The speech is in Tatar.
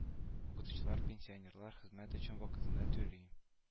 Укытучылар пенсионерлар хезмәт өчен вакытында түли